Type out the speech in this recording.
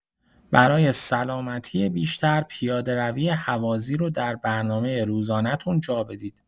برای سلامتی بیشتر، پیاده‌روی هوازی رو در برنامه روزانه‌تون جا بدید.